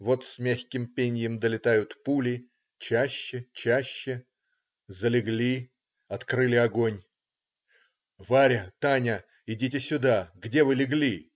Вот с мягким пеньем долетают пули. Чаще, чаще. Залегли, открыли огонь. "Варя! Таня! Идите сюда! Где вы легли?